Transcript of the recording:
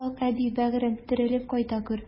Акъәби, бәгырем, терелеп кайта күр!